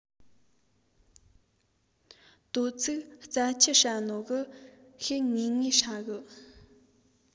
དོ ཚིགས རྩྭ ཆུ ཧྲ ནོ གིས ཤེད ངེས ངེས ཧྲ གི